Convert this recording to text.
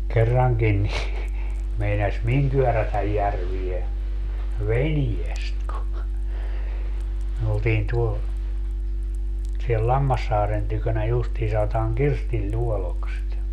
kerrankin niin meinasi minun kyörätä järveen veneestä kun me oltiin tuolla siellä Lammassaaren tykönä justiin sanotaan Kirstinluodoksi sitä